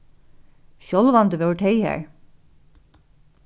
sjálvandi vóru tey har